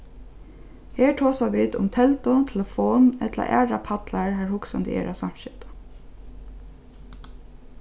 her tosa vit um teldu telefon ella aðrar pallar har hugsandi er at samskifta